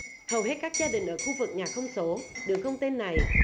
hầu hết các gia đình ở khu vực nhà không số đường không tên này